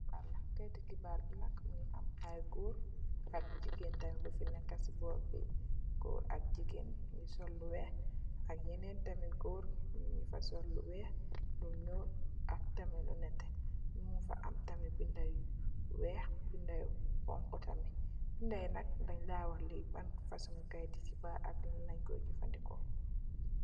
Kayiti xibaar bi nak, mu ngi am ay góor ak ay jigéen, ñu ngi sol lu weex, ak yenen goor tam ñu ngi sol lu weex ak tam lu nétté, bindë yu weex ak lu xoñxu tamit. Bindë yi nak dañ laay wax ban fasoñ ngi kayit la ak luñ Koy jafëndeko.